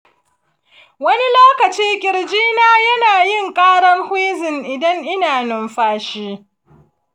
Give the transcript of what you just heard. wani lokaci kirji na yana yin ƙarar wheezing idan ina numfashi.